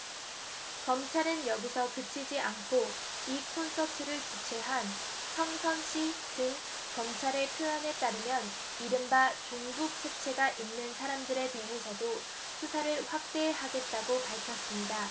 검찰은 여기서 그치지 않고 이 콘서트를 주최한 황선 씨 등 검찰의 표현에 따르면 이른바 종북 색채가 있는 사람들에 대해서도 수사를 확대하겠다고 밝혔습니다